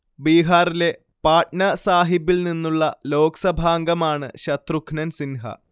ബീഹാറിലെ പാട്ന സാഹിബിൽ നിന്നുള്ള ലോക്സഭാംഗമാണ് ശത്രുഘ്നൻ സിൻഹ